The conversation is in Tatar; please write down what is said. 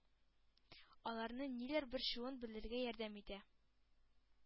Аларны ниләр борчуын белергә ярдәм итә.